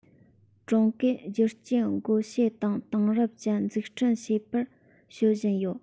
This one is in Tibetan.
ཀྲུང གོས བསྒྱུར བཅོས སྒོ འབྱེད དང དེང རབས ཅན འཛུགས སྐྲུན བྱེད པར གཞོལ བཞིན ཡོད